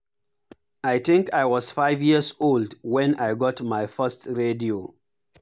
I think I was 5 years old when I got my first radio.